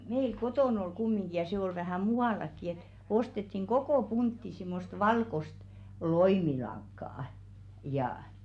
meillä kotona oli kumminkin ja se oli vähän muuallakin että ostettiin koko puntti semmoista valkoista loimilankaa ja